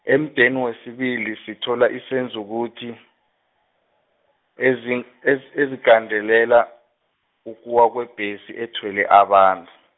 emudeni wesibili sithola izenzukuthi, ezing- ez- ezigandelela, ukuwa kwebhesi ethwele abantu.